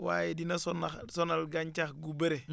waaye dina sona sonal gàncax gu bëre